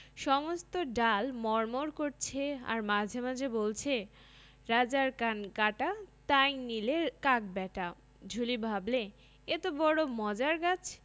সমস্ত ডাল মড়মড় করছে আর মাঝে মাঝে বলছে রাজার কান কাটা তাই নিলে কাক ব্যাটা ঢুলি ভাবলে এ তো বড়ো মজার গাছ